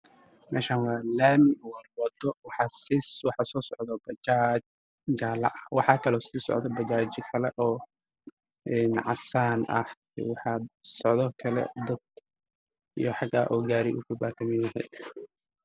Waa meel laami ah waxaa maraayo gaarayaal iyo bajaaj guddisan gaari cadaan ayaa ii muuqda